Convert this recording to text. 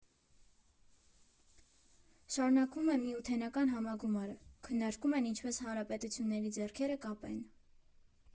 Շարունակվում է Միութենական համագումարը, քննարկում են ինչպես հանրապետությունների ձեռքերը կապեն։